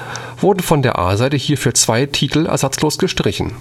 von der A-Seite hierfür zwei Titel ersatzlos gestrichen